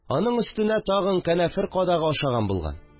Аның өстенә тагы, канәфер кадагы ашаган булган